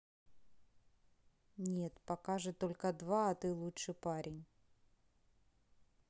нет покажет только два а ты лучший парень